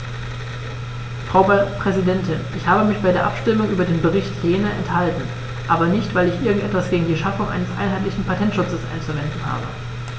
Frau Präsidentin, ich habe mich bei der Abstimmung über den Bericht Lehne enthalten, aber nicht, weil ich irgend etwas gegen die Schaffung eines einheitlichen Patentschutzes einzuwenden habe.